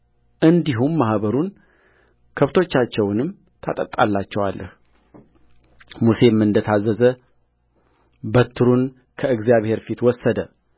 እንዲሁም ማኅበሩን ከብቶቻቸውንም ታጠጣላቸዋለህሙሴም እንደ ታዘዘ በትሩን ከእግዚአብሔር ፊት ወሰደ